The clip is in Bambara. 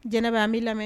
Jɛnɛba an bɛi lamɛninɛ